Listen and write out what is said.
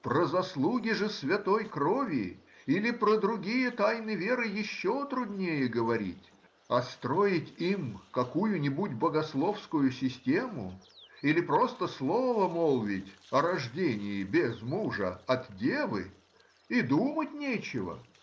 Про заслуги же святой крови или про другие тайны веры еще труднее говорить, а строить им какую-нибудь богословскую систему или просто слово молвить о рождении без мужа, от девы,— и думать нечего